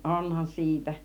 onhan siitä